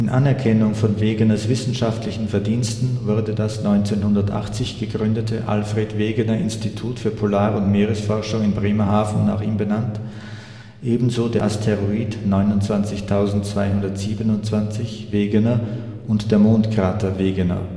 Anerkennung von Wegeners wissenschaftlichen Verdiensten wurde das 1980 gegründete Alfred Wegener-Institut für Polar - und Meeresforschung in Bremerhaven nach ihm benannt, ebenso der Asteroid (29227) Wegener und der Mondkrater Wegener